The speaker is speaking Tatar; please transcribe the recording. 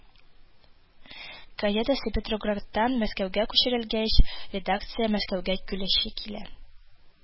Газетасы петроградтан мәскәүгә күчерелгәч, редакция мәскәүгә килүче татар